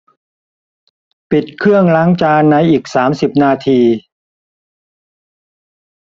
ปิดเครื่องล้างจานในอีกสามสิบนาที